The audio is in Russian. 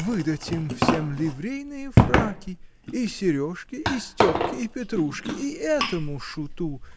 Выдать им всем ливрейные фраки: и Сережке, и Степке, и Петрушке, и этому шуту!